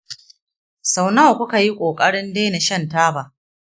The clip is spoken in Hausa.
sau nawa kuka yi ƙoƙarin daina shan taba?